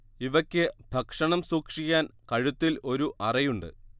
ഇവയ്ക്ക് ഭക്ഷണം സൂക്ഷിക്കാൻ കഴുത്തിൽ ഒരു അറയുണ്ട്